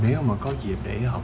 nếu mà có dịp để học